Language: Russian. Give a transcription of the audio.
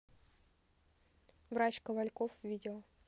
врач ковальков видео